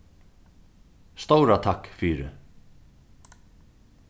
stóra takk fyri